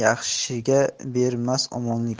yaxshiga berrnas omonlik